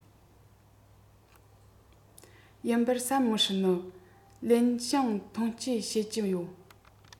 ཡིན པར བསམ མི སྲིད ནི ལེན ཞང ཐོན སྐྱེད བྱེད ཀྱི ཡོད